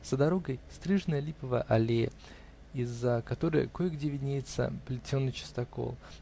за дорогой -- стриженая липовая аллея, из-за которой кое-где виднеется плетеный частокол